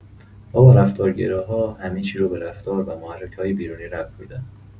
بابا رفتارگراها همه چی رو به رفتار و محرک‌های بیرونی ربط می‌دن!